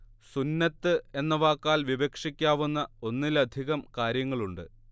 സുന്നത്ത് എന്ന വാക്കാൽ വിവക്ഷിക്കാവുന്ന ഒന്നിലധികം കാര്യങ്ങളുണ്ട്